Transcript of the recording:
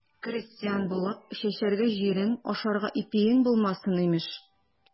Крестьян булып, чәчәргә җирең, ашарга ипиең булмасын, имеш.